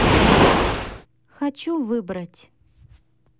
хочу выбрать